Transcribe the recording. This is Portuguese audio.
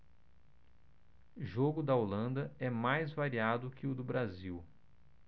jogo da holanda é mais variado que o do brasil